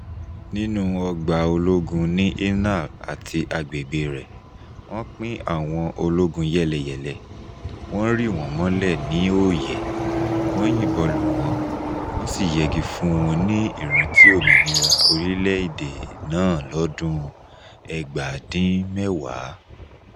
Nínú ọgbà àwọn ológun ní Inal àti àgbègbè rẹ̀, wọ́n pín àwọn ológun yẹ́lẹyẹ̀lẹ, wọ́n rì wọ́n mọ́lẹ̀ ní òòyẹ̀, wọ́n yìnbọn lù wọ́n, wọ́n sì yẹgi fún wọn ní ìrántí òmìnira orílẹ̀-èdè náà lọ́dún 1990.